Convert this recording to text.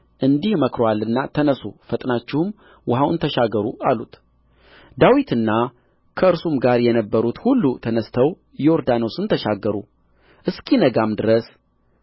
እንዲህ መክሮአልና ተነሡ ፈጥናችሁም ውኃውን ተሻገሩ አሉት ዳዊትና ከእርሱም ጋር የነበሩት ሁሉ ተነሥተው ዮርዳኖስን ተሻገሩ እስኪነጋም ድረስ